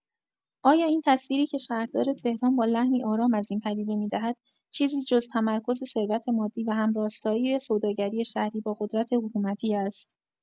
آیا این تصویری که شهردار تهران با لحنی آرام از این پدیده می‌دهد چیزی جز تمرکز ثروت مادی و همراستایی سوداگری شهری با قدرت حکومتی است؟